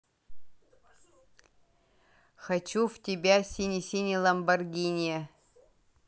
хочу в тебя синий синий ламборгини